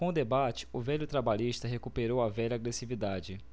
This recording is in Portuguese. com o debate o velho trabalhista recuperou a velha agressividade